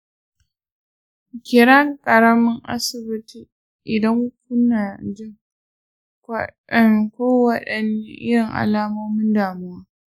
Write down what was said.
kira ƙaramin asibitin idan ku na jin kowaɗanne irin alamomin damuwa.